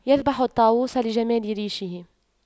يذبح الطاووس لجمال ريشه